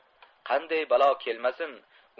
qanday balo kelmasin